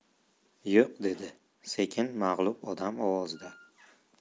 yo'q dedi sekin mag'lub odam ovozida